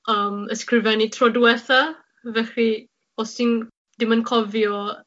yym ysgrifennu tro dwetha. Felly, os ti'n dim yn cofio